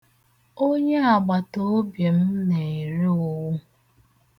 Onye agbata obi m na-ere owu.